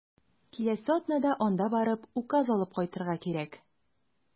Киләсе атнада анда барып, указ алып кайтырга кирәк.